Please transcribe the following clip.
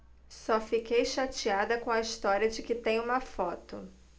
só fiquei chateada com a história de que tem uma foto